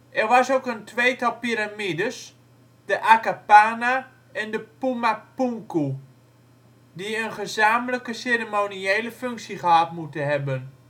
Er was ook een tweetal piramides, de Akapana en de Puma Punku, die een gezamenlijke ceremoniële functie gehad moeten hebben